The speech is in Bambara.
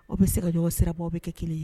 Aw bɛ se ka ɲɔgɔn sirabɔ aw bɛ kɛ kelen ye